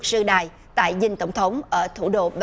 sư đài tại dinh tổng thống ở thủ đô péc